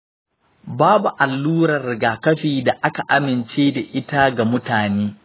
babu allurar rigakafi da aka amince da ita ga mutane.